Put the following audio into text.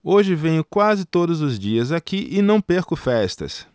hoje venho quase todos os dias aqui e não perco festas